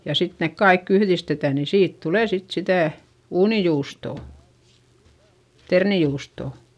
ja sitten ne kaikki yhdistetään niin siitä tulee sitten sitä uunijuustoa ternijuustoa